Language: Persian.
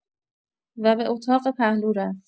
و به اطاق پهلو رفت.